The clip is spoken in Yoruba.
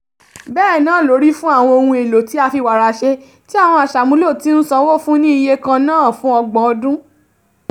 Bẹ́ẹ̀ náà ló rí fún àwọn ohun èlò tí a fi wàrà ṣe, tí àwọn aṣàmúlò ti ń sanwó fún ní iye kan náà fún ọgbọ̀n ọdún.